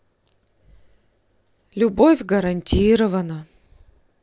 любовь гарантирована